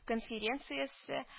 Конференциясе